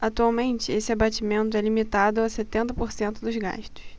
atualmente esse abatimento é limitado a setenta por cento dos gastos